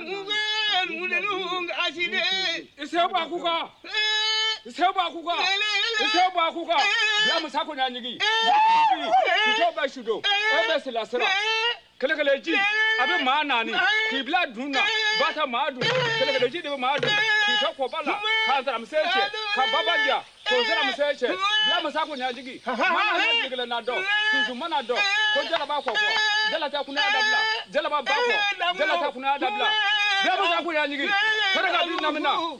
Naani k' bila dun